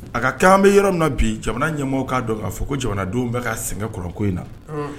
A ka kanan bɛ yɔrɔ na bi jamana ɲɛmɔgɔ k'a dɔn k'a fɔ ko jamanadenw bɛ ka sɛgɛn kɔrɔko in na